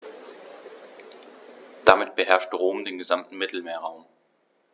Damit beherrschte Rom den gesamten Mittelmeerraum.